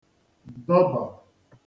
dọbà